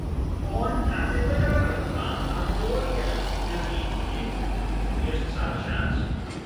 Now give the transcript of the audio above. ond ar ddiwedd yr olygfa ar ôl i Elis gyfieithu i'r sarjant